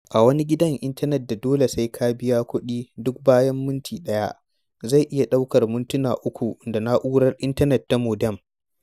A wani gidan intanet da dole sai ka biya kuɗi duk bayan minti ɗaya, zai iya ɗaukar mintuna 3 da na'urar intanet ta modem.